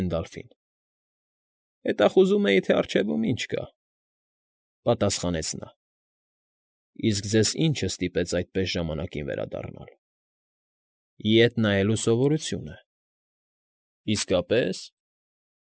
Հենդալֆից։ ֊ Հետախուզում էի, թե առջևում ինչ կա,֊ պատասխանեց նա։ ֊ Իսկ ձեզ ի՞նչն ստիպեց այդպես ժամանակին վերադառնալ։ ֊ Ետ նայելու սովորությունը։ ֊ Իսկապես,֊